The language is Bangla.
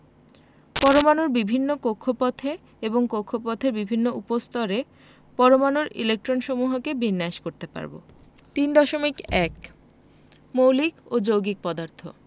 পরমাণুর বিভিন্ন কক্ষপথে এবং কক্ষপথের বিভিন্ন উপস্তরে পরমাণুর ইলেকট্রনসমূহকে বিন্যাস করতে পারব 3.1 মৌলিক ও যৌগিক পদার্থ